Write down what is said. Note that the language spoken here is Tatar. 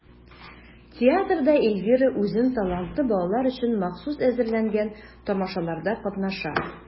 Театрда Эльвира үзен талантлы балалар өчен махсус әзерләнгән тамашаларда катнаша.